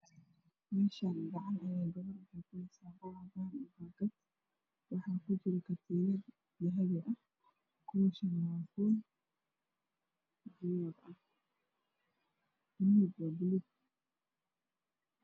Meeshaani gacan waxa ku jiro katiinad dahabi kalarkeedu yahay dahabi